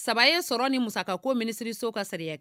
Saba ye sɔrɔ nin mu ka ko minisiriso ka sariya kɛ